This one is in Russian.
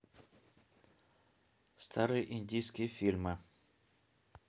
старые индийские фильмы